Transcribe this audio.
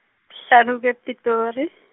hlanu kwePitori.